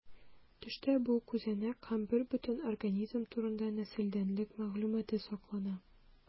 Төштә бу күзәнәк һәм бербөтен организм турында нәселдәнлек мәгълүматы саклана.